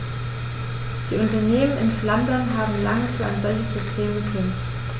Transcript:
Die Unternehmen in Flandern haben lange für ein solches System gekämpft.